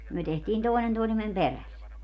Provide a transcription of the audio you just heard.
me tehtiin toinen toisemme perässä